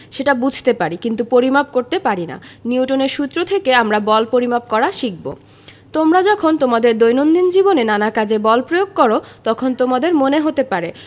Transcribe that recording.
সেটা বুঝতে পারি কিন্তু পরিমাপ করতে পারি না দ্বিতীয় সূত্র থেকে আমরা বল পরিমাপ করা শিখব তোমরা যখন তোমাদের দৈনন্দিন জীবনে নানা কাজে বল ব্যবহার করো তখন তোমাদের মনে হতে পারে